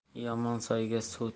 yomon soyga suv